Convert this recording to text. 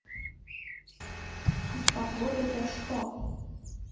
а с погодой то что